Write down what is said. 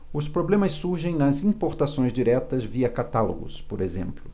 os problemas surgem nas importações diretas via catálogos por exemplo